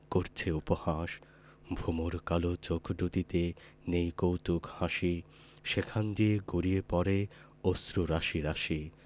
করছে উপহাস ভমর কালো চোখ দুটিতে নেই কৌতুক হাসি সেখান দিয়ে গড়িয়ে পড়ে অশ্রু রাশি রাশি